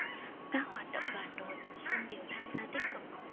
các hoạt động đoàn đội phương đều tham gia tích cực